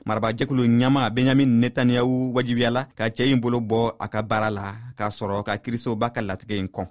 marabaajɛkulu ɲɛmaa benjamin netanyahu wajibiyala ka cɛ in bolobɔ a ka baara la ka sɔrɔ ka kiirisoba ka latigɛ kɔn